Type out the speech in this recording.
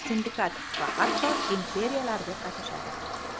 sindikat va hatto imperiyalar deb atashadi